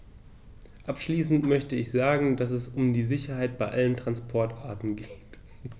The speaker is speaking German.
Abschließend möchte ich sagen, dass es um die Sicherheit bei allen Transportarten geht.